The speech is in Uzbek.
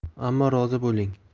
ammo rozi bo'ling